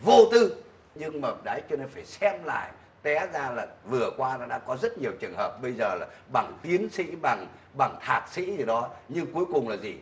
vô tư nhưng mà đấy cho nên phải xem lại té ra vừa qua đã có rất nhiều trường hợp bây giờ bằng tiến sĩ bằng bằng thạc sĩ đó nhưng cuối cùng là gì